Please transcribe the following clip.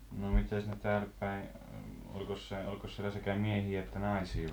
no mitenkäs ne täällä päin olikos se olikos siellä sekä miehiä että naisia vai